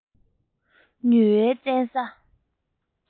ཉུལ བའི བཙན ས